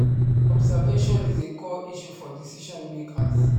Observation is a core issue for decision makers.